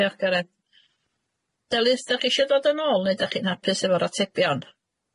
Diolch Gared. Delyth dach chi isio dod yn ôl neu' dach chi'n hapus efo'r atebion?